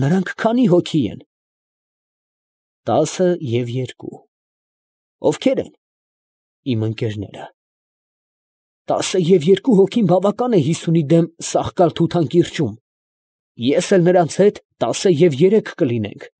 Նրանք քանի՞ հոգի են։ ֊ Տասն և երկու։ ֊ Ո՞վքեր են։ ֊ Իմ ընկերները։ ֊ Տասն և երկու հոգին բավական է հիսունի դեմ Սախկալ֊Թութան կիրճում, ֊ նկատեց Մըստոն. ֊ ես էլ նրանց հետ տասն և երեք կլինենք։